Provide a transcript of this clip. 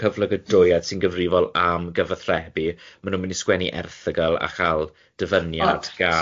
cyflogadwyedd sy'n gyfrifol am gyfathrebu, maen nhw'n mynd i sgwennu erthygl a chael dyfyniad gan